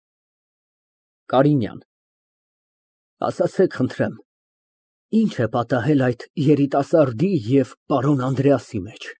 ԿԱՐԻՆՅԱՆ ֊ Ասացեք, խնդրեմ, ի՞նչ է պատահել այդ երիտասարդի և պարոն Անդրեասի մեջ։